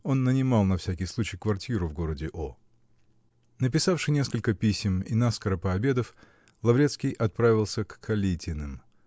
Он нанимал, на всякий случай, квартиру в городе О. Написавши несколько писем и наскоро пообедав, Лаврецкий отправился к Калитиным.